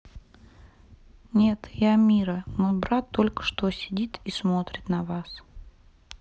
нет я мира мой брат только что сидит и смотрит на вас